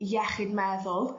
iechyd meddwl